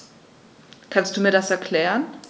Kannst du mir das erklären?